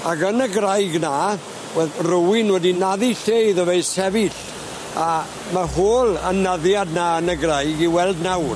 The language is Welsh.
Ag yn y graig 'na, wedd rywun wedi naddu lle iddo fe i sefyll, a ma' hôl y naddiad 'na yn y graig i'w weld nawr.